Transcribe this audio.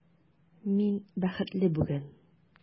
Мин бәхетле бүген!